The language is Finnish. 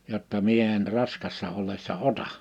jotta minä en raskaana ollessa ota